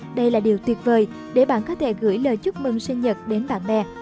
đây là điều tuyệt vời để bạn có thể gửi lời chúc mừng sinh nhật đến bạn bè